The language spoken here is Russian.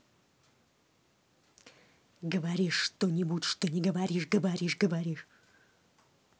говоришь что нибудь что не говоришь говоришь говоришь